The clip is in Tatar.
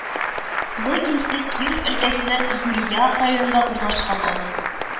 Логинцы Киров өлкәсенең Юрья районында урнашкан авыл